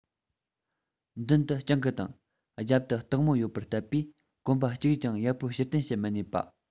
མདུན དུ སྤྱང ཀི དང རྒྱབ ཏུ སྟག མོ ཡོད པར བརྟབས པས གོམ པ གཅིག ཀྱང ཡར སྤོ ཕྱིར འཐེན བྱེད མི ནུས པ